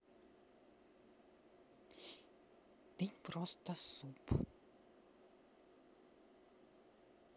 ты просто суп